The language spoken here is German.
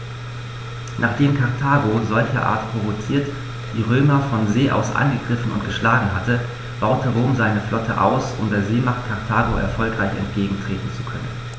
Nachdem Karthago, solcherart provoziert, die Römer von See aus angegriffen und geschlagen hatte, baute Rom seine Flotte aus, um der Seemacht Karthago erfolgreich entgegentreten zu können.